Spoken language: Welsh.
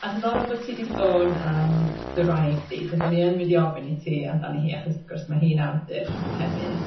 A diddorol bod ti 'di sôn am dy wraig 'di, achos o'n i yn mynd i ofyn i ti amdani hi, achos wrth gwrs mae hi'n awdur hefyd.